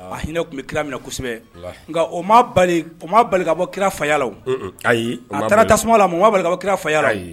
A hinɛinɛ tun bɛ kira minɛ kosɛbɛ nka o bali ka bɔ kira fayala ayi a taara tasuma la bali bɔ kira faya